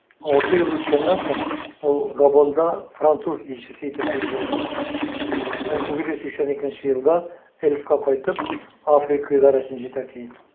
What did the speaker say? Алты ел үткәннән соң, ул Габонда француз илчесе итеп билгеләнә, 1982 елда Elf'ка кайтып, Африка идарәсен җитәкли.